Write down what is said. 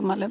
Malem